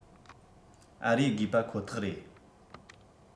ཨ རིའི དགོས པ ཁོ ཐག རེད